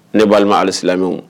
Ne b' ma ali silamɛlamɛw